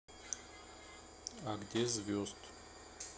а где звезд